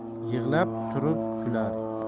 yig'lab turib kular